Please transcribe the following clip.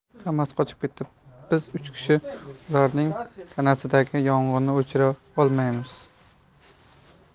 hammasi qochib ketdi biz uch kishi ukamning tanasidagi yong'inni o'chira olmayapmiz